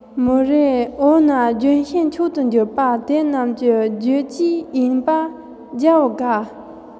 མོ རེའོ ན ལྗོན ཤིང མཆོག ཏུ འགྱུར པ དེ རྣམས ཀྱི རྒྱུད བཅས ཡིན པ རྒྱལ བའི བཀའ